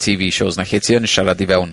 Tee Vee shows 'na lle ti yn siarad i fewn...